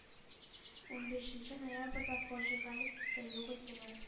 Унбишенче ноябрендә фаҗигале төстә юк ителә,